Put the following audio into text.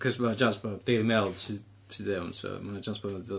Cos ma' 'na jans bod Daily Mail sy sy 'di wneud hwn, so ma' 'na jans bod hwn 'di dod...